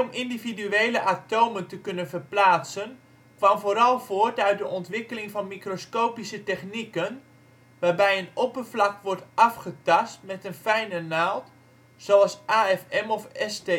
individuele atomen te kunnen verplaatsen kwam vooral voort uit de ontwikkeling van microscopische technieken waarbij een oppervlak wordt afgetast met een fijne naald zoals AFM en STM